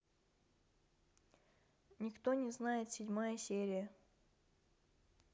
никто не знает седьмая серия